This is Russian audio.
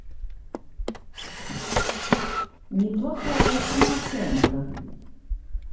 неплохая самооценка